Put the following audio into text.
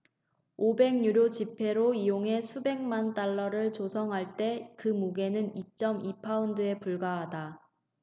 오백 유로 지폐로 이용해 수백만 달러를 조성할 때 그 무게는 이 쩜 이 파운드에 불과하다